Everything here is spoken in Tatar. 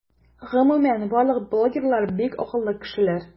Гомумән барлык блогерлар - бик акыллы кешеләр.